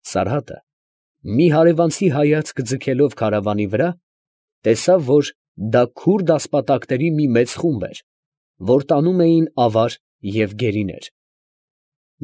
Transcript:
Սարհատը մի հարևանցի հայացք ձգելով քարավանի վրա, տեսավ, որ դա քուրդ ասպատակների մի մեծ խումբ էր, որ տանում էին ավար և գերիներ։